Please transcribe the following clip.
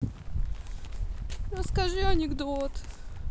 расскажи анекдот